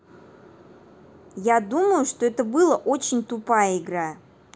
а я думаю что это было очень тупая игра